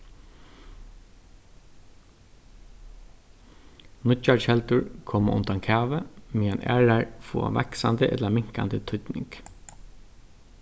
nýggjar keldur koma undan kavi meðan aðrar fáa vaksandi ella minkandi týdning